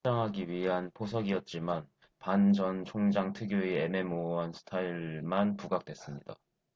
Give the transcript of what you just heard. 지지층을 확장하기 위한 포석이었지만 반 전 총장 특유의 애매모호한 스타일만 부각됐습니다